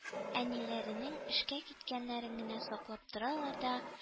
Әниләренең эшкә киткәннәрен генә саклап торалар да